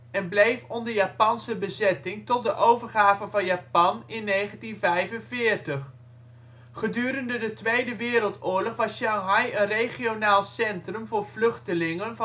en bleef onder Japanse bezetting tot de overgave van Japan in 1945. Gedurende de Tweede Wereldoorlog was Shanghai een regionaal centrum voor vluchtelingen